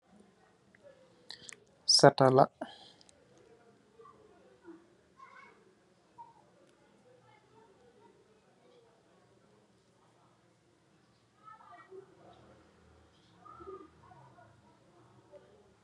Satala